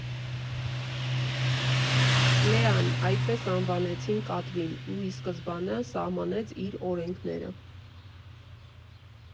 Լեան՝ այդպես անվանեցին կատվին, ի սկզբանե սահմանեց իր օրենքները։